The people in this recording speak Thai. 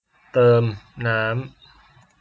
เติมน้ำ